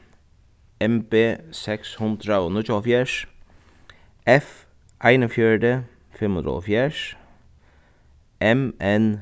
m b seks hundrað og níggjuoghálvfjerðs f einogfjøruti fimm hundrað og hálvfjerðs m n